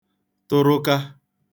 tụrụka